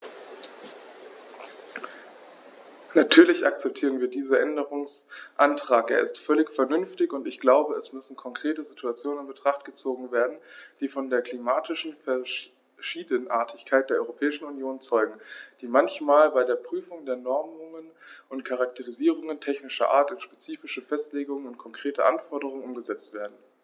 Natürlich akzeptieren wir diesen Änderungsantrag, er ist völlig vernünftig, und ich glaube, es müssen konkrete Situationen in Betracht gezogen werden, die von der klimatischen Verschiedenartigkeit der Europäischen Union zeugen, die manchmal bei der Prüfung der Normungen und Charakterisierungen technischer Art in spezifische Festlegungen und konkrete Anforderungen umgesetzt werden.